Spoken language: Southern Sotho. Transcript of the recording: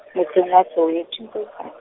motseng wa Soweto .